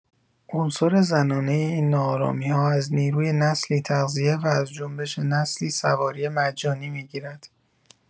عنصر زنانه این ناآرامی‌ها از نیروی نسلی تغذیه و از جنبش نسلی سواری مجانی می‌گیرد.